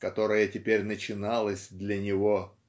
которая теперь начиналась для него.